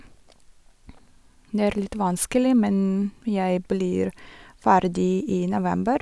Det er litt vanskelig, men jeg blir ferdig i november.